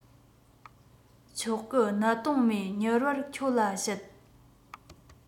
ཆོག གི གནད དོན མེད མྱུར བར ཁྱོད ལ བཤད